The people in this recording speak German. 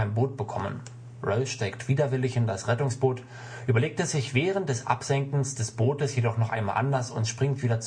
Boot bekommen. Rose steigt widerwillig in das Rettungsboot, überlegt es sich während des Absenkens des Bootes jedoch noch einmal anders und springt wieder